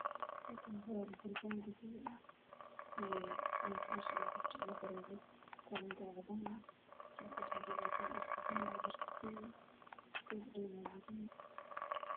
Meeshan waxaa fadhiyaan nimo fara badan oo si saf ah ku jiraan waxayna wataan shati cali iswaallo